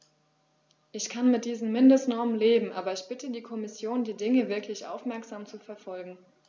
Ich kann mit diesen Mindestnormen leben, aber ich bitte die Kommission, die Dinge wirklich aufmerksam zu verfolgen.